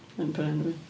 .